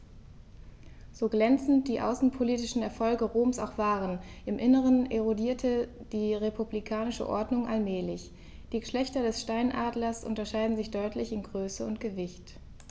So glänzend die außenpolitischen Erfolge Roms auch waren: Im Inneren erodierte die republikanische Ordnung allmählich. Die Geschlechter des Steinadlers unterscheiden sich deutlich in Größe und Gewicht.